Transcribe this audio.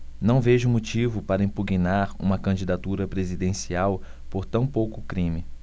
não vejo motivo para impugnar uma candidatura presidencial por tão pouco crime